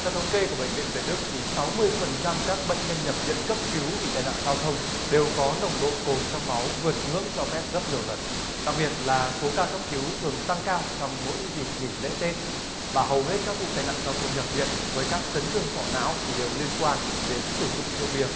theo thống kê của bệnh viện việt đức thì sáu mươi phần trăm các bệnh nhân nhập viện cấp cứu vì tai nạn giao thông đều có nồng độ cồn trong máu vượt ngưỡng cho phép gấp nhiều lần đặc biệt là số ca cấp cứu thường tăng cao trong mỗi dịp nghỉ lễ tết và hầu hết các vụ tai nạn giao thông nhập viện với các chấn thương sọ não thì đều liên quan đến sử dụng rượu bia